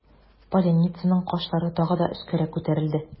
Поляницаның кашлары тагы да өскәрәк күтәрелде.